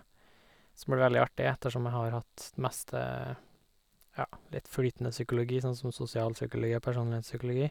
Som blir veldig artig ettersom jeg har hatt mest, ja, litt flytende psykologi sånn som sosialpsykologi og personlighetspsykologi.